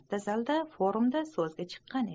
katta zalda forumda so'zga chiqqan eding